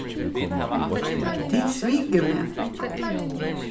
tit sviku meg